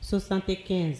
75